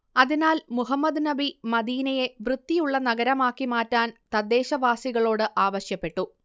അതിനാൽ മുഹമ്മദ് നബി മദീനയെ വൃത്തിയുള്ള നഗരമാക്കി മാറ്റാൻ തദ്ദേശവാസികളോട് ആവശ്യപ്പെട്ടു